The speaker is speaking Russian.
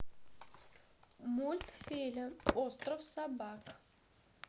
мультфильм остров собак